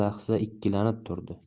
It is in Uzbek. lahza ikkilanib turdi